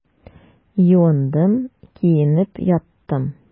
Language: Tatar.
Юындым, киенеп яттым.